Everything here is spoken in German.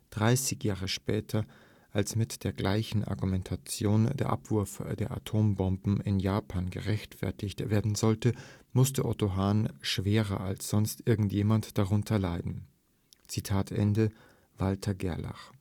30 Jahre später, als mit der gleichen Argumentation der Abwurf der Atombomben in Japan gerechtfertigt werden sollte, musste Otto Hahn schwerer als sonst irgend jemand darunter leiden. “– Walther Gerlach